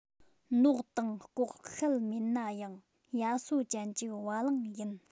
ནོག དང ལྐོག ཤལ མེད ན ཡང ཡ སོ ཅན གྱི བ ལང ཡིན